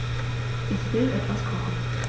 Ich will etwas kochen.